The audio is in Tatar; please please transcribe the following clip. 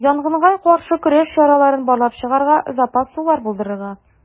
Янгынга каршы көрәш чараларын барлап чыгарга, запас сулар булдырырга.